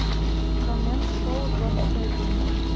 коммент шоу двадцать один